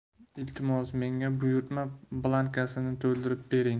iltimos menga buyurtma blankasini to'ldirib bering